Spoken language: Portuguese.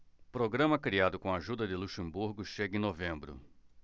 programa criado com a ajuda de luxemburgo chega em novembro